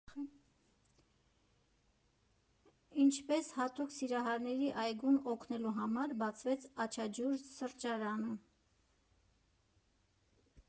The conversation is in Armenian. Ինչպես հատուկ Սիրահարների այգուն օգնելու համար բացվեց «Աչաջուր» սրճարանը։